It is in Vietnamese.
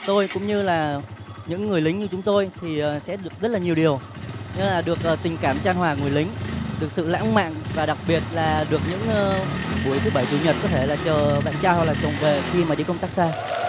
tôi cũng như là những người lính như chúng tôi thì sẽ được rất là nhiều điều nữa là được ở tình cảm chan hòa người lính được sự lãng mạn và đặc biệt là được những ơ buổi thứ bảy chủ nhật có thể là chờ bạn trai hoặc chồng về khi mà đi công tác xa